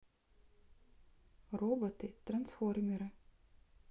роботы трансформеры